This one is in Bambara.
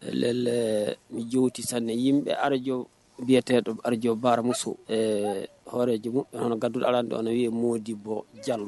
nij tɛ sa nin ye bɛ arazj bitɛ arajo baaramuso ɛɛ kadu ala dɔn u ye maaw di bɔ ja